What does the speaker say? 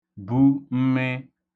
bu mmii